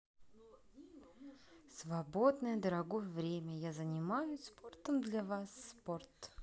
свободное дорогое время я занимаюсь спортом для вас спорт